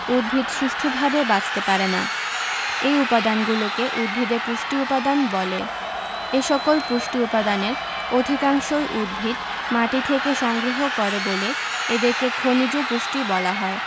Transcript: উদ্ভিদ সুষ্ঠুভাবে বাঁচতে পারে না এ উপাদানগুলোকে উদ্ভিদের পুষ্টি উপাদান বলে এসকল পুষ্টি উপাদানের অধিকাংশই উদ্ভিদ মাটি থেকে সংগ্রহ করে বলে এদেরকে খনিজ পুষ্টি বলা হয়